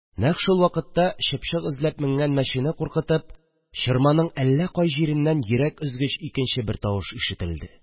Нәкъ шул вакытта, чыпчык эзләп менгән мәчене куркытып, чорманың әллә кай җиреннән йөрәк өзгеч икенче бер тавыш ишетелде